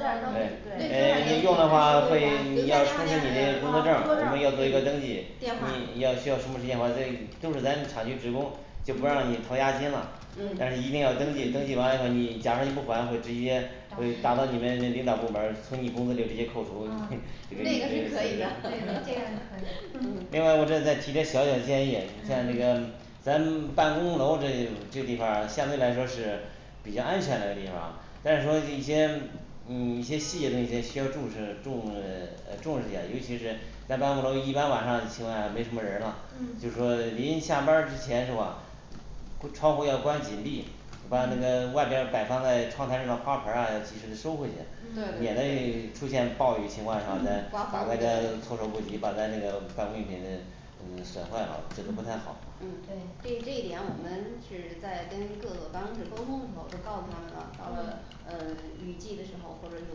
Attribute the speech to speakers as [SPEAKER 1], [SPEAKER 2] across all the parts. [SPEAKER 1] 下儿
[SPEAKER 2] 儿
[SPEAKER 1] 登记
[SPEAKER 3] 诶
[SPEAKER 1] 对
[SPEAKER 3] 诶你用的话会你
[SPEAKER 4] 留
[SPEAKER 3] 要
[SPEAKER 4] 下电
[SPEAKER 3] 出示你
[SPEAKER 4] 话
[SPEAKER 3] 嘞
[SPEAKER 4] 电
[SPEAKER 1] 哦
[SPEAKER 4] 话呃
[SPEAKER 3] 工
[SPEAKER 1] 工作
[SPEAKER 3] 作证
[SPEAKER 1] 证
[SPEAKER 3] 儿，我们要做一个登记
[SPEAKER 1] 儿
[SPEAKER 2] 电话
[SPEAKER 3] 你你要需要什么时间把这雨都是咱厂区职工就不
[SPEAKER 2] 问你
[SPEAKER 3] 让你掏押金了，但是
[SPEAKER 1] 嗯
[SPEAKER 3] 一定要登记，登记完了以后，你假设你不还我直接会打到你的领导部门儿从你工资里头直接扣除。
[SPEAKER 2] 啊
[SPEAKER 3] 这
[SPEAKER 4] 这
[SPEAKER 3] 个
[SPEAKER 4] 个
[SPEAKER 3] 这个
[SPEAKER 4] 是可
[SPEAKER 3] 损失
[SPEAKER 4] 以的
[SPEAKER 2] 对对这个是，可以
[SPEAKER 1] 嗯
[SPEAKER 3] 另外我这再提点小小建议，你像这个咱们办公楼这这地方儿相对来说是比较安全的一个地方但是说这一些嗯一些细的那些需要重视重诶重视一下，尤其是在办公楼一般晚上情况下没什么人儿了
[SPEAKER 1] 嗯
[SPEAKER 3] 就是说临下班儿之前是吧不窗户要关紧闭，把那
[SPEAKER 1] 嗯
[SPEAKER 3] 个外边儿摆放在窗台上的花盆儿啊及时的收回去，
[SPEAKER 1] 嗯
[SPEAKER 3] 免
[SPEAKER 4] 对
[SPEAKER 3] 得出现暴雨情况下在
[SPEAKER 1] 嗯
[SPEAKER 4] 刮
[SPEAKER 3] 打咱
[SPEAKER 4] 风
[SPEAKER 3] 个措手不及，把咱那个办公用品呃损坏了这不太好
[SPEAKER 1] 嗯嗯
[SPEAKER 4] 嗯
[SPEAKER 2] 对
[SPEAKER 4] 这这一点我们是在跟各个办公室沟通的时候都告诉他们了，到了
[SPEAKER 1] 嗯
[SPEAKER 4] 呃雨季的时候或者有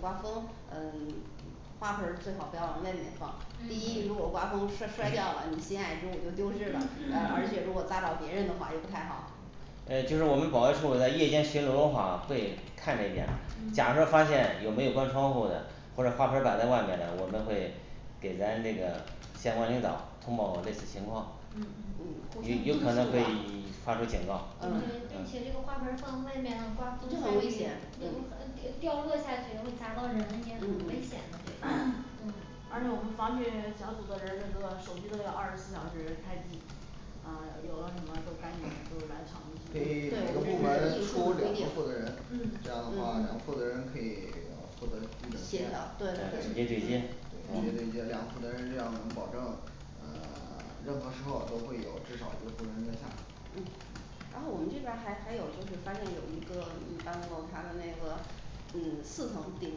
[SPEAKER 4] 刮风呃 花盆儿最好不要往外面放第一，你如
[SPEAKER 1] 嗯
[SPEAKER 2] 嗯
[SPEAKER 4] 果刮风摔摔掉了，你心爱之物就丢失了，呃而且如果砸到别人的话也不太好
[SPEAKER 3] 诶就是我们保卫处在夜间巡逻的话会看这一点儿，假如说
[SPEAKER 2] 嗯
[SPEAKER 3] 发现有没有关窗户的，或者花盆儿摆在外面的，我们会给咱这个相关领导通报类似情况
[SPEAKER 1] 嗯
[SPEAKER 4] 嗯
[SPEAKER 1] 嗯
[SPEAKER 4] 互
[SPEAKER 3] 一
[SPEAKER 4] 相
[SPEAKER 3] 有可
[SPEAKER 4] 督
[SPEAKER 3] 能会
[SPEAKER 4] 促
[SPEAKER 3] 一
[SPEAKER 4] 吧
[SPEAKER 3] 发出警告
[SPEAKER 2] 对
[SPEAKER 4] 嗯
[SPEAKER 2] 并且这个花盆儿放外面了，刮风
[SPEAKER 4] 这
[SPEAKER 2] 下
[SPEAKER 4] 很危
[SPEAKER 2] 雨掉
[SPEAKER 4] 险
[SPEAKER 2] 掉
[SPEAKER 4] 嗯
[SPEAKER 2] 掉落下去会砸到人也
[SPEAKER 4] 嗯
[SPEAKER 2] 很危险
[SPEAKER 4] 嗯
[SPEAKER 2] 的这个
[SPEAKER 1] 而且我们防汛小组的人儿这个手机都要二十四小时开机，嗯有了什么都赶紧就来抢
[SPEAKER 5] 可以每个部门儿出两个负责人这样的话负责人可以 负责区域
[SPEAKER 4] 协调
[SPEAKER 3] 对直接对接
[SPEAKER 5] 对直接对接这两个负责人让我们保证呃 任何时候都会至少有责任对象
[SPEAKER 4] 嗯然后我们这边儿还还有就是发现有一个办公楼，它的那个嗯四层顶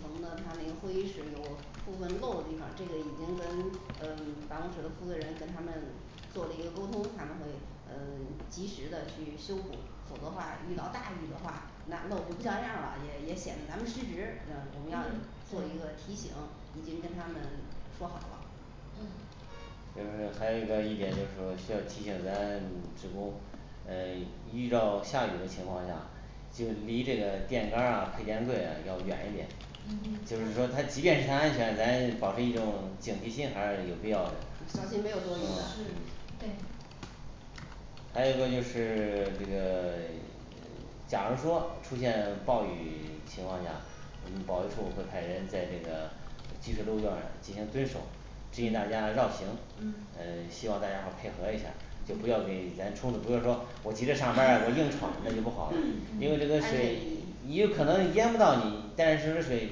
[SPEAKER 4] 层的，他那个会议室有部分漏的地方儿这个已经跟嗯办公室的负责人跟他们做了一个沟通他们会嗯及时的去修补，否则话遇到大雨的话，那漏的不像样儿了，也也显得咱们失职，嗯
[SPEAKER 1] 嗯
[SPEAKER 4] 我们要做一
[SPEAKER 1] 对
[SPEAKER 4] 个提醒，已经跟他们说好了
[SPEAKER 2] 嗯
[SPEAKER 3] 就是还有个一点就是说我需要提醒咱职工，嗯遇到下雨的情况下，就离这个电杆儿啊配电柜啊要远一点儿就
[SPEAKER 2] 嗯
[SPEAKER 1] 嗯
[SPEAKER 3] 是说它即便是它安全咱也保持一种警惕性，还是有必要的
[SPEAKER 4] 小心没有多余的
[SPEAKER 3] 是
[SPEAKER 2] 对
[SPEAKER 3] 还有一个就是 这个 假如说出现暴雨情况下，我们保卫处会派人在这个积水路段进行蹲守，指引大
[SPEAKER 1] 嗯
[SPEAKER 3] 家绕行，
[SPEAKER 1] 嗯
[SPEAKER 3] 嗯希望大家伙儿配合一下儿就不
[SPEAKER 1] 嗯
[SPEAKER 3] 要给咱冲突，不要说我急着上班儿，我硬闯那就不好了，因为这个水也有可能淹不到你，但是这水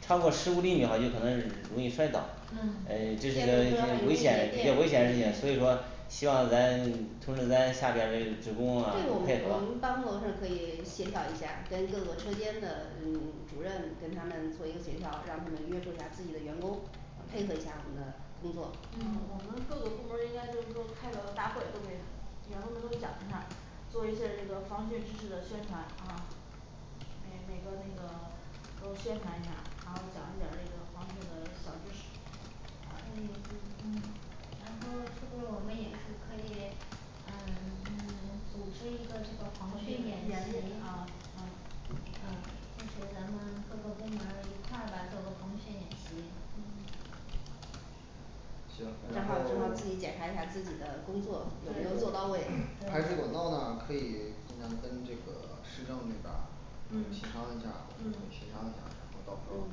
[SPEAKER 3] 超过十五厘米的话有可能容易摔倒
[SPEAKER 1] 嗯
[SPEAKER 3] 诶这是个危险比较危险的事情，所以说希望咱通知咱下边儿的职
[SPEAKER 4] 这个
[SPEAKER 3] 工
[SPEAKER 4] 我
[SPEAKER 3] 啊
[SPEAKER 4] 们
[SPEAKER 3] 配合
[SPEAKER 4] 我们办公楼是可以协调一下儿，跟各个车间的嗯主任跟他们做一个协调，让他们约束一下自己的员工啊配合一下我们的工作
[SPEAKER 1] 啊
[SPEAKER 2] 嗯
[SPEAKER 1] 我们各个部门儿应该就是说开个大会都给，员工们都讲一下儿，做一些这个防汛知识的宣传啊，每每个那个都宣传一下儿，然后讲一点儿这个防汛的小知识
[SPEAKER 2] 可以嗯
[SPEAKER 1] 嗯
[SPEAKER 2] 然后是不是我们也是可可以嗯 组织一个这个防汛演习，
[SPEAKER 1] 啊啊
[SPEAKER 2] 啊就是咱们各个部门儿一块儿吧做个防汛演习
[SPEAKER 1] 嗯
[SPEAKER 4] 正
[SPEAKER 5] 行然
[SPEAKER 4] 好
[SPEAKER 5] 后
[SPEAKER 4] 儿正好儿自己检查一 下自己的工作有没有做到
[SPEAKER 1] 对
[SPEAKER 4] 位啊
[SPEAKER 5] 排
[SPEAKER 1] 对
[SPEAKER 5] 水管道那儿可以经常跟这个市政这边儿协
[SPEAKER 1] 嗯
[SPEAKER 5] 商一下儿协
[SPEAKER 1] 嗯
[SPEAKER 5] 商一下儿到时候对对嗯嗯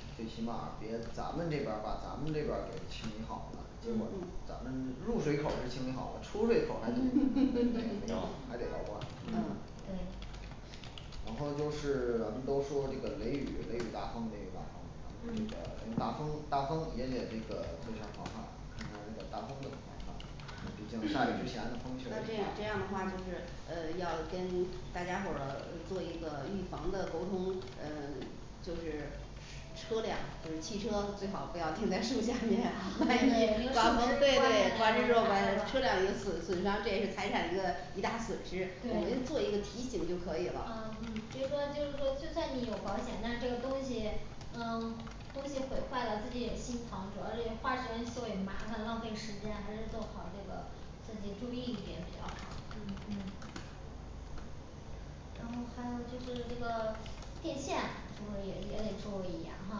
[SPEAKER 5] 嗯最起码别咱们这边儿咱们这边儿给清好了，是吧
[SPEAKER 1] 嗯
[SPEAKER 4] 嗯
[SPEAKER 5] 咱们入水口儿是清理好了，出水口儿还得
[SPEAKER 3] 啊
[SPEAKER 5] 还得 捞吧
[SPEAKER 4] 嗯
[SPEAKER 1] 对
[SPEAKER 5] 然后就是咱们都说这个雷雨雷雨大风雷雨大风，这个
[SPEAKER 1] 嗯
[SPEAKER 5] 大风大风也列了一个，看看这个大风怎么办，毕竟下雨下 的风确实
[SPEAKER 4] 那这样这样
[SPEAKER 5] 大
[SPEAKER 4] 的话就
[SPEAKER 1] 嗯
[SPEAKER 4] 是呃要跟大家伙儿做一个预防的沟通嗯 就是车辆就是汽车最好不要停在树下
[SPEAKER 2] 啊对那个树枝刮下来了
[SPEAKER 4] 面， 刮风
[SPEAKER 2] 打
[SPEAKER 4] 把车
[SPEAKER 2] 着了
[SPEAKER 4] 辆有损损伤，这也是财产的一个一大损失，我们
[SPEAKER 1] 对
[SPEAKER 4] 做一个提醒就可以
[SPEAKER 2] 嗯
[SPEAKER 4] 了
[SPEAKER 2] 嗯别说就是说就算你有保险但是这个东西嗯东西毁坏了自己也心疼，主要是花时间修也麻烦，浪费时间还是做好这个，自己注意一点比较好
[SPEAKER 1] 噩嗯
[SPEAKER 2] 嗯然后还有就是这个电线是不是也也得注意呀哈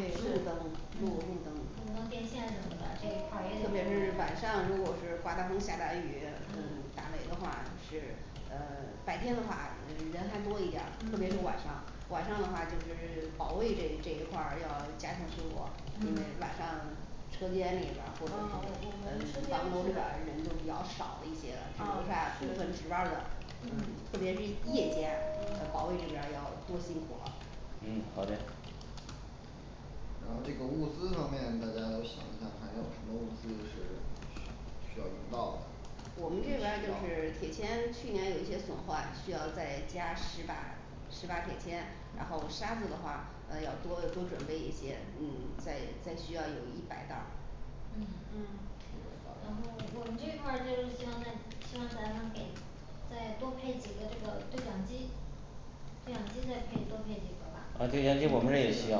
[SPEAKER 1] 对路
[SPEAKER 4] 是
[SPEAKER 1] 灯路路灯
[SPEAKER 2] 路灯电线什么的这一块儿也得注
[SPEAKER 4] 也就是晚上如果
[SPEAKER 2] 意
[SPEAKER 4] 是刮大风下大雨，嗯打雷的话就是呃白天的话人还多一点儿，特别是晚
[SPEAKER 1] 嗯
[SPEAKER 4] 上晚上的话就是保卫这一这一块儿要加强巡逻。注意
[SPEAKER 1] 嗯
[SPEAKER 4] 晚上车间里边
[SPEAKER 1] 啊
[SPEAKER 4] 儿或
[SPEAKER 1] 我
[SPEAKER 4] 者什么
[SPEAKER 1] 们车
[SPEAKER 4] 呃办公的
[SPEAKER 1] 间是
[SPEAKER 4] 人就比较少一点儿，有的啥
[SPEAKER 1] 啊
[SPEAKER 4] 身份
[SPEAKER 1] 是
[SPEAKER 4] 值班儿的，嗯
[SPEAKER 2] 嗯
[SPEAKER 4] 特别是夜间
[SPEAKER 1] 嗯
[SPEAKER 4] 保卫这边儿要多辛苦了
[SPEAKER 3] 嗯好嘞
[SPEAKER 5] 然后这个物资方面大家都想一下，还有什么物资是需需要用到的
[SPEAKER 4] 我们这边就是铁钎去年有一些损坏，需要再加十把十把铁钎，然后沙子的话嗯要多多准备一些，嗯再再需要有一百袋儿
[SPEAKER 2] 嗯
[SPEAKER 1] 嗯
[SPEAKER 2] 然后我们这块儿就是希望在希望咱能给再多配几个这个对讲机，对讲机再配多配几个吧
[SPEAKER 3] 呃对讲机我们这儿也需要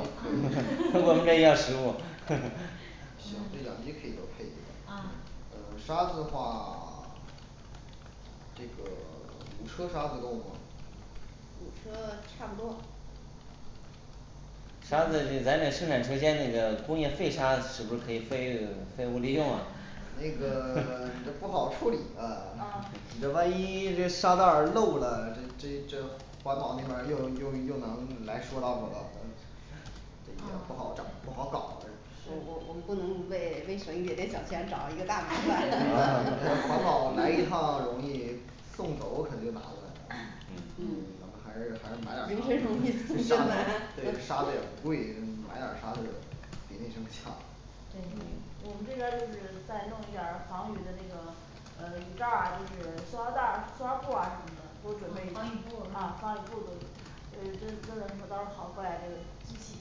[SPEAKER 3] 我们这儿也要十部
[SPEAKER 5] 行，对
[SPEAKER 1] 嗯
[SPEAKER 5] 讲机可以多配几个，
[SPEAKER 1] 啊
[SPEAKER 5] 呃沙子的话 这个 五车沙子够吗
[SPEAKER 4] 五车差不多
[SPEAKER 3] 沙子那咱这生产车间那个工业废沙是不是可以废与 废物利用啊？
[SPEAKER 5] 那 个 不好处理吧，
[SPEAKER 1] 啊
[SPEAKER 5] 这万一这沙袋儿漏了，这这这环保那边儿又又又能来说道了也不好整不好搞的
[SPEAKER 4] 我我我们
[SPEAKER 1] 是
[SPEAKER 4] 不能为为，省一点小钱找一个大麻
[SPEAKER 5] 环
[SPEAKER 4] 烦
[SPEAKER 5] 保 来一趟容易送走可就难了
[SPEAKER 3] 嗯，
[SPEAKER 5] 咱
[SPEAKER 4] 嗯
[SPEAKER 5] 们还是还是买点
[SPEAKER 4] 迎神容
[SPEAKER 5] 儿
[SPEAKER 4] 易送神难
[SPEAKER 5] 对沙子也不贵，就买点儿沙子也比那什么强
[SPEAKER 1] 对
[SPEAKER 2] 嗯
[SPEAKER 1] 我们这边儿就是再弄一点儿防雨的。那个呃雨罩儿啊就是塑料袋儿塑料布儿啊什么的
[SPEAKER 2] 啊
[SPEAKER 1] 都准备雨
[SPEAKER 2] 防，雨布儿
[SPEAKER 1] 啊防雨布儿对。呃就是到时候好盖那个机器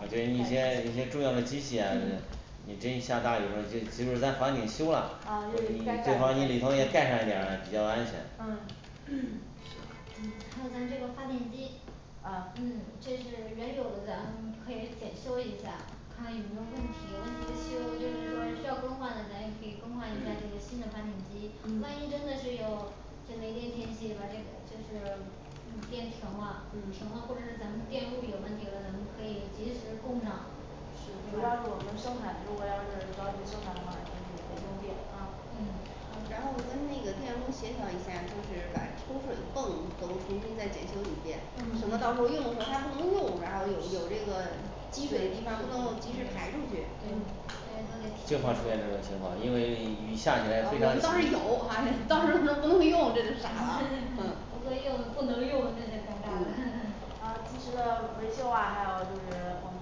[SPEAKER 3] 我觉得一些一些重要的机器呀，你别一下大雨了，就就是咱房顶修了
[SPEAKER 1] 啊也，
[SPEAKER 3] 你
[SPEAKER 1] 得该盖得
[SPEAKER 3] 不妨你
[SPEAKER 1] 盖
[SPEAKER 3] 里头也盖上一点儿比较安全
[SPEAKER 1] 嗯 嗯
[SPEAKER 2] 还有咱这个发电机
[SPEAKER 1] 嗯
[SPEAKER 2] 嗯这是原有的咱可以检修一下，看看有没有问题有问题的修，就是说需要更换的，咱也可以更换一下这个新的发电机，万
[SPEAKER 1] 嗯
[SPEAKER 2] 一真的是有这雷电天气吧这个就是嗯电停了
[SPEAKER 1] 嗯
[SPEAKER 2] 停了或者是咱们电路有问题了，咱们可以临时供上
[SPEAKER 1] 是主要是我们生产，如果要是着急生产的话，就是得用电嗯
[SPEAKER 2] 嗯
[SPEAKER 4] 然后跟那个电工协调一下，就是把抽水泵都重新再检修一遍，省的
[SPEAKER 2] 嗯
[SPEAKER 4] 到时候用的时候它不能用，然后有有这个积水的地方不
[SPEAKER 1] 是是
[SPEAKER 4] 能及时排出去
[SPEAKER 2] 对
[SPEAKER 1] 嗯
[SPEAKER 3] 就怕出现这种情况，因为雨一下起来
[SPEAKER 4] 啊
[SPEAKER 3] 非
[SPEAKER 4] 我
[SPEAKER 3] 常
[SPEAKER 4] 们
[SPEAKER 3] 急
[SPEAKER 4] 倒是有还是到那时候不能用那就傻了
[SPEAKER 2] 不会用不能用那就尴尬了
[SPEAKER 1] 呃及时的维修啊还有就是我们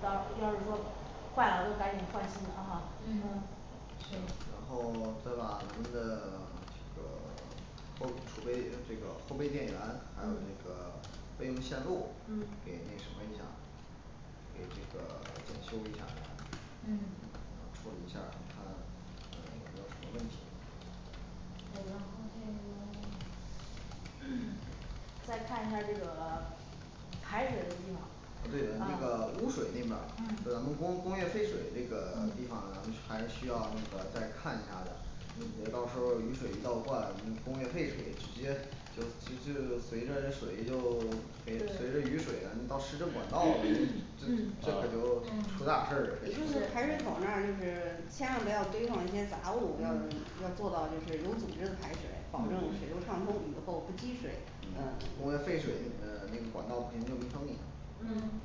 [SPEAKER 1] 到用的时候坏了说都赶紧换新的哈。嗯
[SPEAKER 2] 嗯
[SPEAKER 5] 然后再把您的这个 后储备这个后备电源，还有
[SPEAKER 1] 嗯
[SPEAKER 5] 这个备用线路
[SPEAKER 1] 嗯
[SPEAKER 5] 给那什么一下，给这个检修一下。
[SPEAKER 2] 嗯
[SPEAKER 5] 处理一下。看有什么问题
[SPEAKER 2] 对然后这个
[SPEAKER 1] 再看一下这个 排水的地方
[SPEAKER 5] 对的那
[SPEAKER 1] 啊
[SPEAKER 5] 个污水那边儿就
[SPEAKER 1] 嗯
[SPEAKER 5] 咱们工工业废水这个地
[SPEAKER 1] 嗯
[SPEAKER 5] 方咱们还是需要那个再看一下的。别
[SPEAKER 1] 嗯
[SPEAKER 5] 到时候儿雨水一倒灌，工业废水直接就就就随着这水就随着
[SPEAKER 1] 对
[SPEAKER 5] 雨水啊到市政管道了
[SPEAKER 1] 嗯
[SPEAKER 5] 这，可就
[SPEAKER 2] 嗯
[SPEAKER 5] 出大事儿了
[SPEAKER 4] 也就是排
[SPEAKER 1] 对
[SPEAKER 4] 水口儿那就是千万不要堆放一些杂物，要
[SPEAKER 1] 嗯
[SPEAKER 4] 要做到就是有组织的排水，保证
[SPEAKER 1] 嗯
[SPEAKER 4] 水路畅通雨后不积水呃
[SPEAKER 5] 工业废水呃那个管道不行就密封一下
[SPEAKER 4] 嗯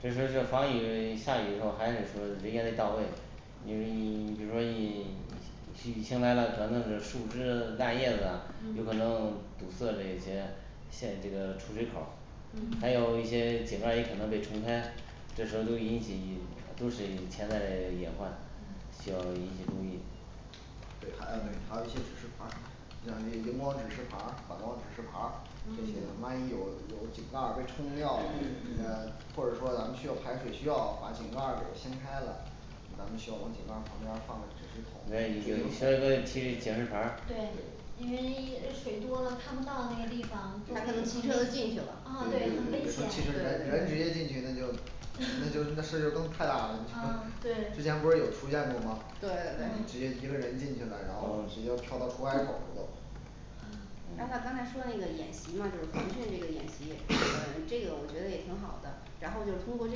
[SPEAKER 3] 这就是就是防雨下雨的时候还是说人员得到位，你你你比如说你许 雨情来了的可能是树枝烂叶子啊，有可
[SPEAKER 1] 嗯
[SPEAKER 3] 能堵塞这些线这个出水口儿，还
[SPEAKER 2] 嗯
[SPEAKER 1] 嗯
[SPEAKER 3] 有一些井盖也可能被冲开，这时候就引起都是潜在嘞隐患
[SPEAKER 2] 嗯
[SPEAKER 3] 需要引起注意
[SPEAKER 5] 对，还有嘞
[SPEAKER 1] 嗯
[SPEAKER 5] 还有一些指示牌儿，像那荧光指示牌儿，反光指示牌儿，这些万一有有井盖儿被冲掉，嗯 或者说咱们需要排水，需要把井盖儿给掀开了咱们需要往井盖儿旁边儿放指示筒
[SPEAKER 3] 对你就需要说去警示牌儿
[SPEAKER 2] 对因为水多了看不到那个地方
[SPEAKER 1] 它这个汽车都进去了
[SPEAKER 2] 啊对很危险
[SPEAKER 5] 汽车人直接进去那就那就那 事儿就更太大了
[SPEAKER 2] 啊
[SPEAKER 5] 那就 之
[SPEAKER 1] 对
[SPEAKER 5] 前不是有出现过吗？
[SPEAKER 1] 对对
[SPEAKER 5] 直
[SPEAKER 2] 嗯
[SPEAKER 1] 对
[SPEAKER 5] 接一个人进去了，然后直
[SPEAKER 3] 嗯
[SPEAKER 5] 接跳到出海口儿去了
[SPEAKER 4] 让他
[SPEAKER 3] 嗯
[SPEAKER 4] 刚才说那个演习嘛就是防汛那个演习呃这个我觉得也挺好的，然后就通过这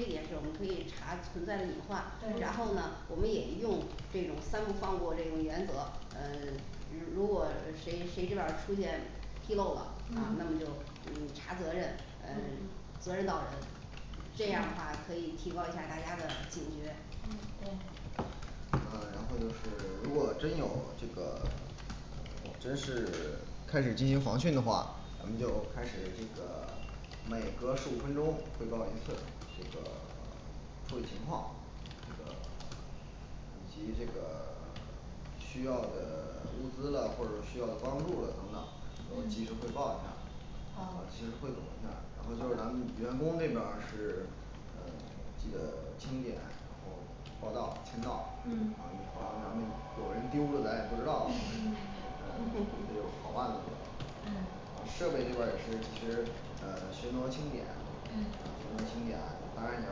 [SPEAKER 4] 件事我们可以查存在的隐患
[SPEAKER 1] 嗯，
[SPEAKER 4] 然
[SPEAKER 2] 对
[SPEAKER 4] 后呢
[SPEAKER 1] 嗯
[SPEAKER 4] 我们也用这种三不放过这种原则嗯 日 如果谁谁这边儿出现纰漏了，啊那
[SPEAKER 2] 嗯
[SPEAKER 1] 嗯
[SPEAKER 4] 么就嗯查责任呃
[SPEAKER 2] 嗯嗯
[SPEAKER 4] 责任到人，这样的
[SPEAKER 2] 嗯
[SPEAKER 4] 话可以提高一下大家的警觉
[SPEAKER 2] 嗯对
[SPEAKER 5] 啊然后就是如果真有这个 真是 开始进行防汛的话，咱们就开始这个每隔十五分钟汇报一次这个 处理情况，这个以及这个 需要的物资啦或者需要的帮助了等等，都及
[SPEAKER 2] 嗯
[SPEAKER 5] 时汇报一下啊
[SPEAKER 1] 好
[SPEAKER 5] 及时汇总一下，然后还有咱们员工这边儿是呃记得清点，然后报到签到防
[SPEAKER 1] 嗯
[SPEAKER 5] 止咱们有人丢了咱也不知道。那 就
[SPEAKER 4] 嗯
[SPEAKER 5] 啊设备这边儿也是及时呃巡逻清点，巡
[SPEAKER 2] 嗯
[SPEAKER 5] 逻清点当然有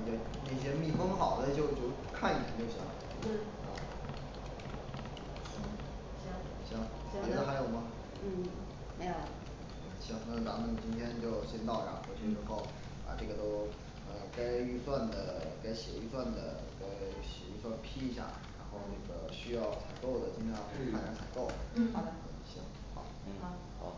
[SPEAKER 5] 一些那些密封好的就就看一眼就行啊
[SPEAKER 1] 对
[SPEAKER 5] 行
[SPEAKER 1] 行
[SPEAKER 5] 行别的
[SPEAKER 1] 行
[SPEAKER 5] 还有吗
[SPEAKER 4] 嗯没有啦
[SPEAKER 5] 嗯行那咱们今天就先到这儿回去之
[SPEAKER 1] 嗯
[SPEAKER 5] 后把这个都呃该预算的该写预算的该写一份儿批一下然后这
[SPEAKER 1] 嗯
[SPEAKER 5] 个需要采购的尽量快点采 购行好
[SPEAKER 4] 好的
[SPEAKER 1] 嗯
[SPEAKER 5] 行好
[SPEAKER 3] 嗯
[SPEAKER 4] 好
[SPEAKER 3] 好